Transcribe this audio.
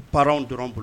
Parents dɔrɔnw bolo